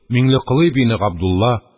Миңлеколый бине Габдулла,